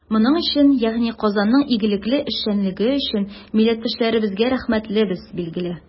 Моның өчен, ягъни Казанның игелекле эшчәнлеге өчен, милләттәшләребезгә рәхмәтлебез, билгеле.